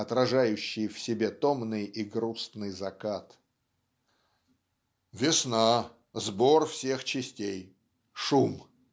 отражающие в себе томный и грустный закат". "Весна. Сбор всех частей. Шум.